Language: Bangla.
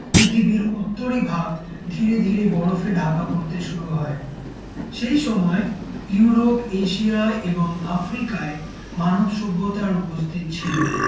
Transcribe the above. পৃথিবীর উত্তরি ভাগ ধীরে ধীরে বরফে ঢাকা পড়তে শুরু হয় সেই সময় ইউরোপ এশিয়া এবং আফ্রিকায় মানব সভ্যতা উপস্থিত ছিল